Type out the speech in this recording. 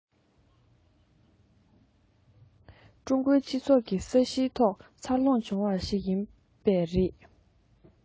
ཀྲུང གོའི སྤྱི ཚོགས ཀྱི ས གཞིའི ཐོག འཚར ལོངས བྱུང བ ཞིག ཡིན པས རེད